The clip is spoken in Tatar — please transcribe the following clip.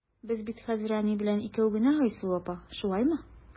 Без бит хәзер әни белән икәү генә, Айсылу апа, шулаймы?